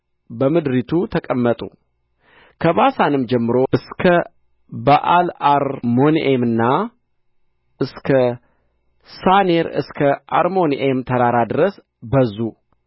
በምድሪቱ ተቀመጡ ከባሳንም ጀምሮ እስከ በኣልአርሞንዔምና እስከ ሳኔር እስከ አርሞንዔም ተራራ ድረስ በዙ